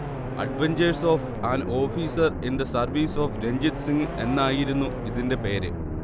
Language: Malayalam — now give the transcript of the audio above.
adventures of an officer in the service of Ranjit Singh എന്നായിരുന്നു ഇതിന്റെ പേര്